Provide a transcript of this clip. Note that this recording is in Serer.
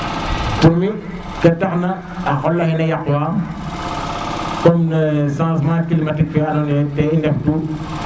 pour mi ke tax na xa qola xe ina yaq wa comme changement climatique ke ando na ye ten i ndef tu